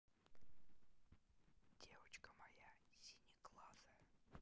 девочка моя синеглазая